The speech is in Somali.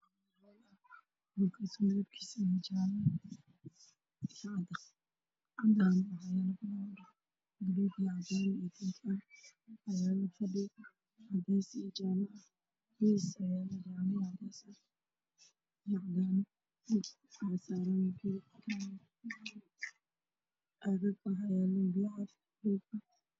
Meeshan waa hool waxaa yaal kuraas iyo maysas oo dahabka sameysan ayaa lagu qaban rabaa waana maqa